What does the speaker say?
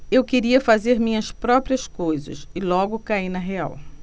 eu queria fazer minhas próprias coisas e logo caí na real